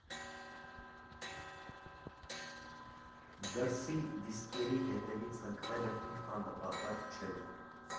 Դրսի դիսկերի հետևից ընկնելը ինքնանպատակ չէր։